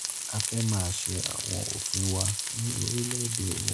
A fẹ́ máa ṣe àwọn ofin wa ní orílẹ̀-èdè wa.'